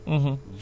insaa àllaa